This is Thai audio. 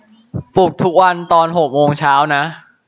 ปลุกทุกวันตอนหกโมงเช้านะ